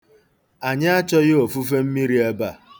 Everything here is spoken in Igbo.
Anyị achọghị ofufe mmiri ebe a?